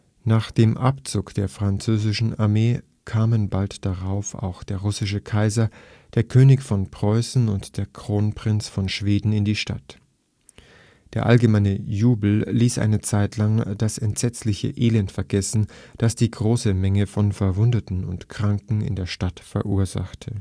Nach dem Abzug der französischen Armee kamen bald darauf auch der russische Kaiser, der König von Preußen und der Kronprinz von Schweden in die Stadt. Der allgemeine Jubel ließ eine Zeitlang das entsetzliche Elend vergessen, das die große Menge von Verwundeten und Kranken in der Stadt verursachte